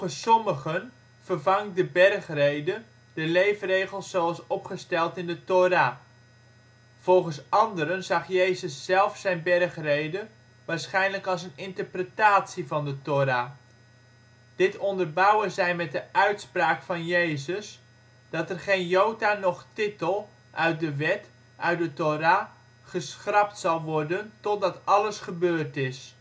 sommigen vervangt de Bergrede de leefregels zoals opgesteld in de Thora. Volgens anderen zag Jezus zelf zijn Bergrede waarschijnlijk als een interpretatie van de Thora. Dit onderbouwen zij met de uitspraak (van Jezus) dat er geen jota noch tittel uit de Wet (= Thora) geschrapt zal worden totdat alles gebeurd is